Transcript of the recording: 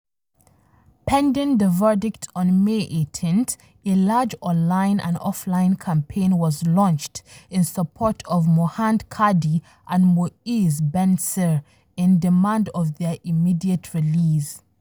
Pending the verdict on May 18, a large online and offline campaign was launched in support of Mohand Kadi and Moez Benncir in demand of their immediate release.